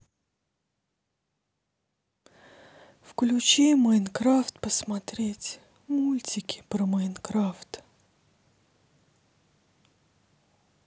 включи майнкрафт посмотреть мультики про майнкрафт